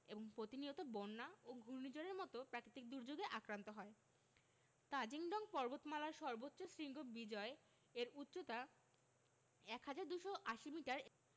এবং প্রতিনিয়ত বন্যা ও ঘূর্ণিঝড়ের মতো প্রাকৃতিক দুর্যোগে আক্রান্ত হয় তাজিং ডং পর্বতমালার সর্বোচ্চ শৃঙ্গ বিজয় এর উচ্চতা ১হাজার ২৮০ মিটার